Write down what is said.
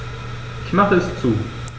Ich mache es zu.